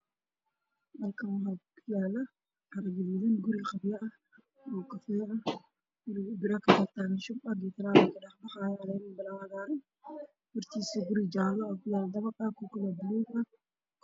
Halkaan waxaa yaalo carro gaduud, guri qabyo ah oo kafay ah, biro shub ah ayaa kataagtaagan, waxaa kabaxaayo falaawar jaale ah, hortiisa waxaa kuyaalo guri dabaq ah oo jaale ah, mid kaloo buluug ah.